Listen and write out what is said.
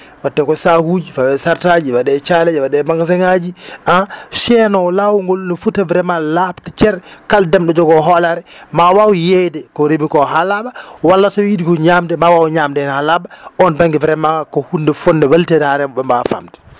watte koye sakuji faawe charette aji waɗe caaleje waɗe magasin ngaji enchaine lawol ngol no foti vraiment labde ceer kal ndemɗo joogo holare ma waw yeyde ko reemi ko ha laaɓa walla so wiide ko ñamde ma waw ñamde hen ha laaɓa on banggue vraiment ko hunde fonde welterare ɓe mbawa famde